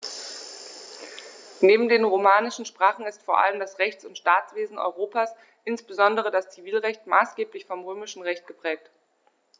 Neben den romanischen Sprachen ist vor allem das Rechts- und Staatswesen Europas, insbesondere das Zivilrecht, maßgeblich vom Römischen Recht geprägt.